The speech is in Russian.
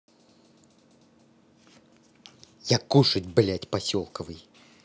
я кушаю блядь поселковый